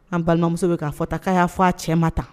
An balimamuso bɛ k'a fɔ taa k'a y'a fɔ a cɛ ma ta